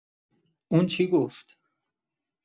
اون چی گفت؟